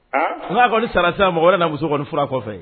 N kɔni ni sara se mɔgɔ wɛrɛ na muso kɔni fura kɔfɛ